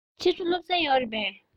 ཕྱི དྲོ སློབ ཚན ཡོད རེད པས